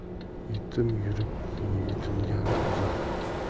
yetim yurib yetilgan o'zar